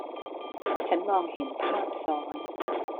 ฉันมองเห็นภาพซ้อน